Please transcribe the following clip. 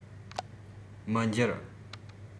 མི འགྱུར